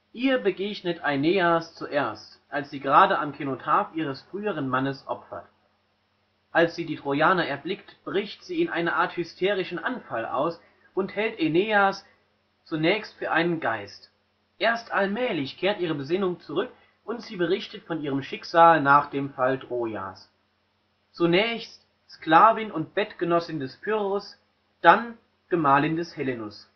Ihr begegnet Aeneas zuerst, als sie gerade am Kenotaph ihres früheren Mannes opfert. Als sie die Trojaner erblickt, bricht sie in eine Art hysterischen Anfall aus und hält Aeneas zunächst für einen Geist. Erst allmählich kehrt ihre Besinnung zurück, und sie berichtet von ihrem Schicksal nach dem Fall Trojas – zunächst Sklavin und Bettgenossin des Pyrrhus, dann Gemahlin des Helenus